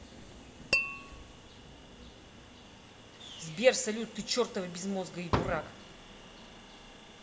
сбер салют ты чертова безмозга и дурак